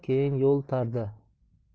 keyin yo'l tarda